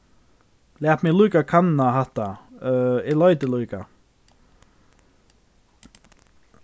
lat meg líka kanna hatta øh eg leiti líka